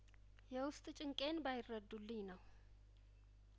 የውስጥ ጭንቄን ባይረዱልኝ ነው